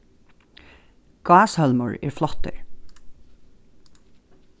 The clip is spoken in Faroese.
gáshólmur er flottur